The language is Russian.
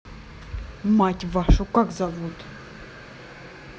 мать вашу как зовут